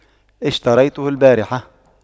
اشتريته البارحة